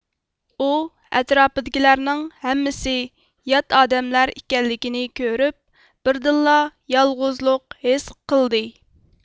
ئۇ ئەتراپىدىكىلەرنىڭ ھەممىسى يات ئادەملەر ئىكەنلىكىنى كۆرۈپ بىردىنلا يالغۇزلۇق ھېس قىلدى